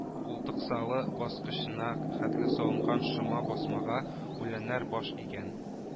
Култыксалы баскычына хәтле салынган шома басмага үләннәр баш игән